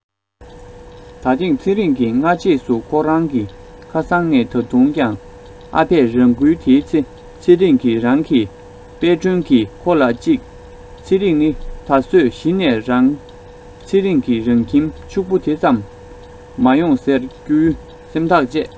ད ཐེངས ཚེ རིང གིས སྔ རྗེས སུ ཁོ རང གི ཁ སང ནས ད དུང ཀྱང ཨ ཕས རང འགུལ དེའི ཚེ ཚེ རིང གི རང གི དཔལ སྒྲོན གྱིས ཁོ ལ གཅིག ཚེ རིང ནི ད གཟོད གཞི ནས རང ཚེ རིང གི རང ཁྱིམ ཕྱུག པོ དེ ཙམ མ ཡོང ཟེར རྒྱུའི སེམས ཐག བཅད